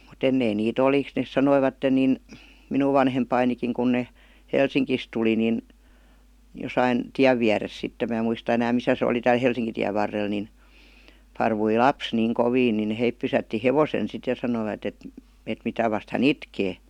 mutta ennen niitä oli ne sanoivat niin minun vanhempanikin kun ne Helsingistä tuli niin jossakin tien vieressä sitten minä muista enää missä se oli täällä Helsinkitien varrella niin parkui lapsi niin kovin niin he pysäytti hevosen sitten ja sanoivat että että mitä vasten hän itkee